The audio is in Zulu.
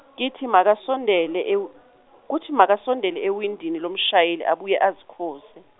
kithi makasondele ewi- kuthi makasondele iwindini loshayeli abuye azikhuz-.